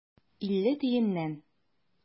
Илле тиеннән.